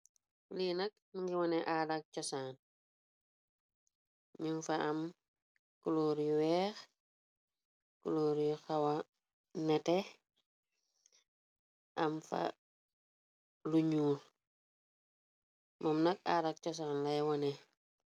Lii nak mungi wone aada ak chosaan ñum fa am kuloor yu weex kuloor yu xawa nete am fa lu ñuul moom nak aada ak chosaan lay wone.